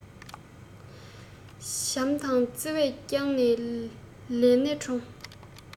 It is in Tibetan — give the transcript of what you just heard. བྱམས དང བརྩེ བས བསྐྱངས ནས ལས སྣ དྲོངས